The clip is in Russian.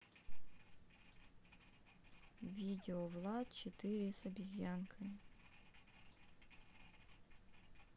видео влад четыре с обезьянкой